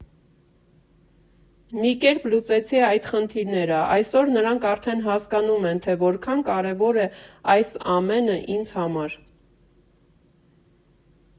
Մի կերպ լուծեցի այդ խնդիրները, այսօր նրանք արդեն հասկանում են, թե որքան կարևոր է այս ամենն ինձ համար։